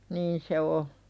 niin se on